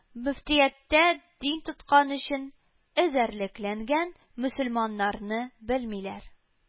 Мөфтияттә дин тоткан өчен эзәрлекләнгән мөселманнарны белмиләр